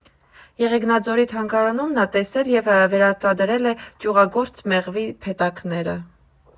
Եղեգնաձորի թանգարանում նա տեսել և վերարտադրել է ճյուղագործ մեղվի փեթակները։